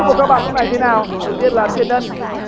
của các bạn lúc này thế nào đầu tiên là thiên ân